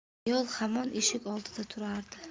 ayol hamon eshik oldida turardi